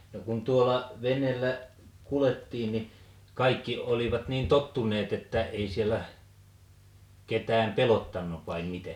no kun tuolla veneellä kuljettiin niin kaikki olivat niin tottuneet että ei siellä ketään pelottanut vai miten